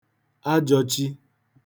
ajọ̄ chī